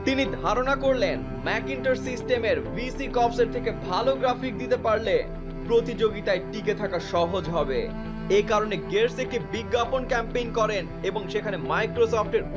তিনি ধারণা করলেন ম্যাকিন্টশ সিস্টেমের ভিসিক অফসেট থেকে ভালো গ্রাফিক দিতে পারলে প্রতিযোগিতায় টিকে থাকা সহজ হবে গেটস একটি বিজ্ঞাপন ক্যাম্পেইন করেন এবং সেখানে মাইক্রোসফট এর